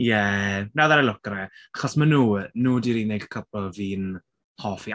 Ie now that I look at it achos ma' nhw... nhw 'di'r unig couple fi'n hoffi.